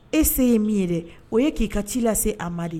E se ye min ye dɛ o ye k'i ka ci lase se a ma de ye